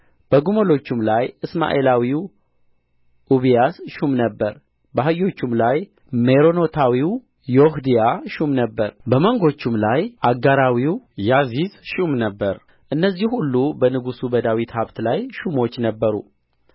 በግመሎችም ላይ እስማኤላዊው ኡቢያስ ሹም ነበረ በአህዮቹም ላይ ሜሮኖታዊው ይሕድያ ሹም ነበረ በመንጎቹም ላይ አጋራዊው ያዚዝ ሹም ነበረ እነዚህ ሁሉ በንጉሡ በዳዊት ሀብት ላይ ሹሞች ነበሩ